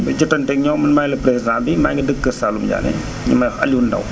ba jotanteeg ñoom man maay le président bi maa ngi dëkk kër Saalum Diané ñu may wax Aliou Ndao